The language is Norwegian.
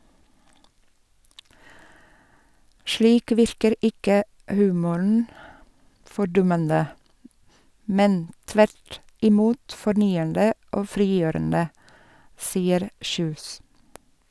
Slik virker ikke humoren fordummende, men tvert imot fornyende og frigjørende, sier Kjus.